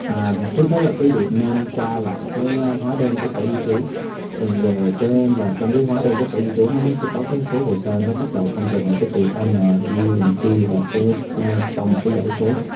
à trước hết là quý vị nên tra lại cái hóa đơn của sở di trú về cái và trong cái hóa đơn của sở di trú nó nó sẽ có cái số hồ sơ nó bắt đầu thông thường là kí tự e nờ bi en ci và cái sau một cái dãy số